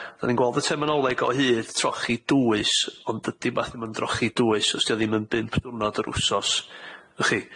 'Dan ni'n gweld y terminoleg o hyd, trochi dwys, ond dydi wbath ddim yn drochi dwys os 'di o ddim yn bump dwrnod yr wsos, y'ch chi.